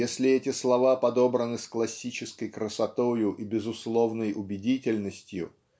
если эти слова подобраны с классической красотою и безусловной убедительностью